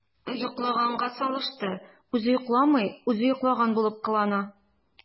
“йоклаганга салышты” – үзе йокламый, үзе йоклаган булып кылана.